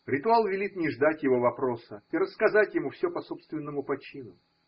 Ритуал велит не ждать его вопроса и рассказать ему все по собственному почину.